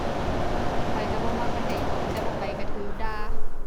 ข้อยก็บ่มักปานใดดอก แต่บ่ไปก็ก็ด่า